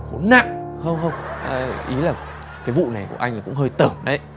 khốn nạn không không à ý là cái vụ này của anh là cũng hơi tởm đấy